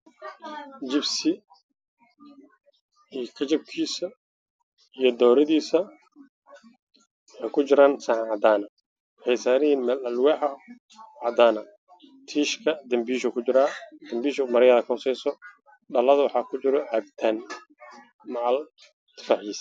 Jibsi iyo kajabkiisa iyo dooradiisa waxay saaran yihiin meel alwaax ah oo cadaan ah tiishka dambiishuu kujiraa dambiisha maraa kahooseeso dhalada waxaa kujira cabitaan macal tufaaxiisa